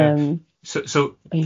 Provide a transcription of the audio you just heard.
Yym... So so. ...ynde?